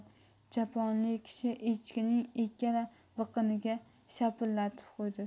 choponli kishi echkining ikkala biqiniga shapillatib qo'ydi